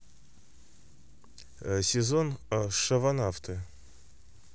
сезон шавонавты